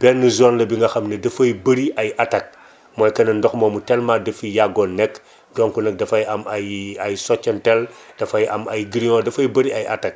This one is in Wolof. benn zone la bi nga xam ne dafay bëri ay attaques mooy que ne ndox moomu tellement daf fi yàggoon nekk donc nag dafay am ay ay soccantel dafay am ay grillons dafay bëri ay attaques